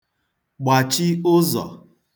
gbàchi ụzọ̀